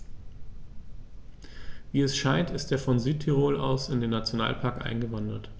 Wie es scheint, ist er von Südtirol aus in den Nationalpark eingewandert.